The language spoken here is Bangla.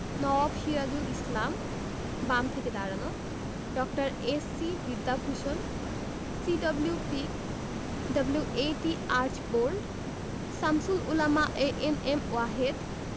নওয়াব সিরাজুল ইসলাম বাম থেকে দাঁড়ানো ড. S C. Vidyabhusan C W. Peake W A T. Archbold Shamsul Ulama A N M Wahed